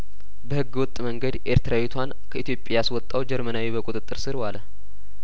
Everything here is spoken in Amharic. በህገ ወጥ መንገድ ኤርትራዊቷን ከኢትዮጵያ ያስወጣው ጀርመናዊ በቁጥጥር ስር ዋለ